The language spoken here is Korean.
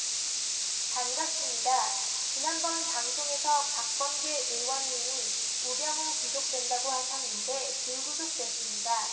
반갑습니다 지난번 방송에서 박범계 의원님이 우병우 구속된다고 하셨는데 불구속됐습니다